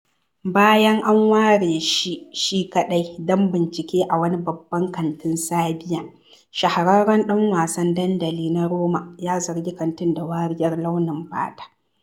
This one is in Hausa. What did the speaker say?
Bayan an ware shi shi kaɗai don bincike a wani babban kantin Serbia, shahararren ɗan wasan dandali na Roma ya zargi kantin da wariyar launin fata.